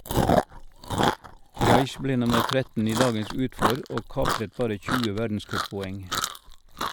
Raich ble nummer 13 i dagens utfor, og kapret bare 20 verdenscuppoeng.